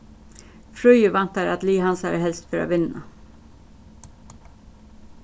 fríði væntar at lið hansara helst fer at vinna